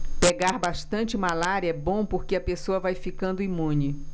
pegar bastante malária é bom porque a pessoa vai ficando imune